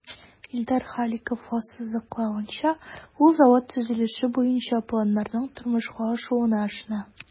Илдар Халиков ассызыклавынча, ул завод төзелеше буенча планнарның тормышка ашуына ышана.